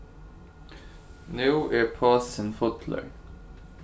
nú er posin fullur